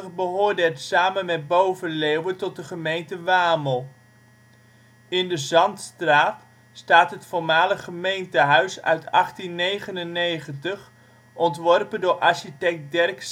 behoorde het samen met Boven-Leeuwen tot de gemeente Wamel. In de Zandstraat staat het voormalig gemeentehuis (1899), ontworpen door architect Derk Semmelink